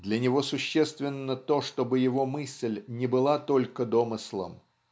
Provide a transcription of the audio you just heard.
для него существенно то, чтобы его мысль не была только домыслом.